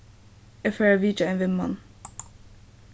eg fari at vitja ein vinmann